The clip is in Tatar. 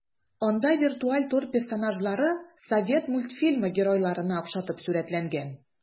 Анда виртуаль тур персонажлары совет мультфильмы геройларына охшатып сурәтләнгән.